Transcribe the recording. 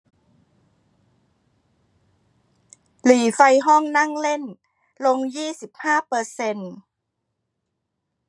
หรี่ไฟห้องนั่งเล่นลงยี่สิบห้าเปอร์เซ็นต์